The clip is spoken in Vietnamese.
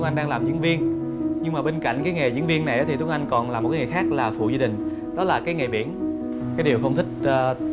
anh đang làm diễn viên nhưng mà bên cạnh cái nghề diễn viên này thì tuấn anh còn là một nghề khác là phụ gia đình đó là cái nghề biển cái đều không thích à